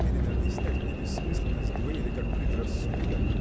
намерены объяснять мне бессмысленность дуэли как предрассудка